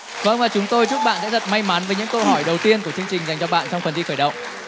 vâng và chúng tôi chúc bạn sẽ thật may mắn với những câu hỏi đầu tiên của chương trình dành cho bạn trong phần thi khởi động